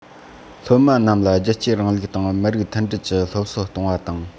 སློབ མ རྣམས ལ རྒྱལ གཅེས རིང ལུགས དང མི རིགས མཐུན སྒྲིལ གྱི སློབ གསོ གཏོང བ དང